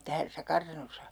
tässä kartanossa